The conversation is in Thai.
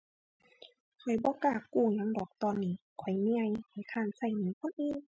ข้อยบ่กล้ากู้หยังดอกตอนนี้ ข้อยเมื่อย ข้อยคร้านใช้หนี้คนอื่น